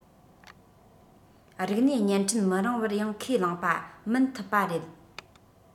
རིག ནུས བརྙན འཕྲིན མི རིང བར ཡང ཁས བླངས པ མིན ཐུབ པ རེད